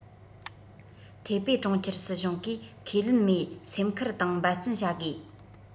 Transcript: ཐའེ པེ གྲོང ཁྱེར སྲིད གཞུང གིས ཁས ལེན མོའི སེམས ཁུར དང འབད བརྩོན བྱ དགོས